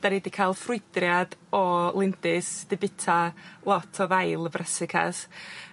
'Dan ni 'di ca'l ffrwydriad o lindys 'di bita lot o ddail y brasicas.